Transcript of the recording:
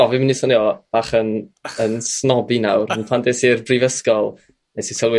O fi'n mynd i swnio bach yn yn snobby nawr ond pan ddes i i'r brifysgol 'nes i sylwi